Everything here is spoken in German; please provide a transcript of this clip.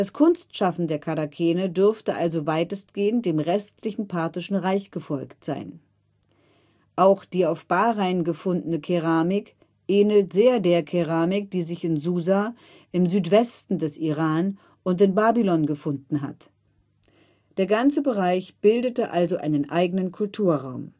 Kunstschaffen der Charakene dürfte also weitestgehend dem restlichen parthischen Reich gefolgt sein. Auch die auf Bahrain gefundene Keramik ähnelt sehr der Keramik, die sich in Susa, im Südwesten des Iran und in Babylon gefunden hat. Der ganze Bereich bildete also einen eigenen Kulturraum